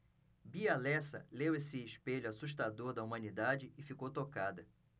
bia lessa leu esse espelho assustador da humanidade e ficou tocada